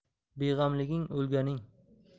beg'amliging o'lganing